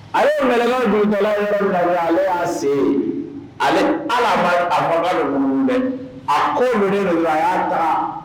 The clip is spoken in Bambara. Ale ye m dundala ale' se ale ala ba a hɔrɔn a ko donlaya ta